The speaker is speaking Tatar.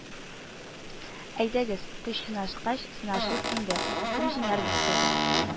Әйдәгез, көч сынашкач сынашыйк инде, кем җиңәр, дип куйды